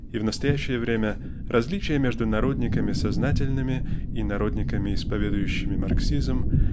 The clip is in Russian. и в настоящее время различие между народниками сознательными и народниками исповедующими марксизм